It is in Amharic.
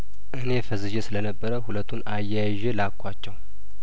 እኔ ፈዝዤ ስለነበረ ሁለቱን አያይዤ ላኳቸው